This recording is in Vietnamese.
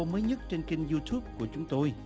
mới nhất trên kênh diu túp của chúng tôi